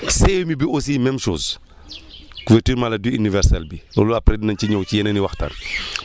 CMU bi aussi même chose couverture maladie universelle bi loolu après dinañ ci ñëw ci yeneen i waxtaan